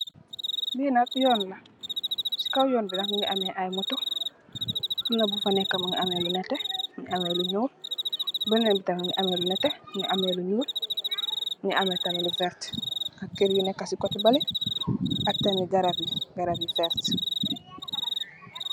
Lee nak yoon la se kaw yoon be nak muge ameh aye motou amna bufa neka muge ameh lu neteh muge ameh lu nuul benen be tam muge ameh lu neteh muge ameh lu nuul muge ameh tamin lu verte kerr yu neka se koteh bale ak tamin garab ye garab yu verte.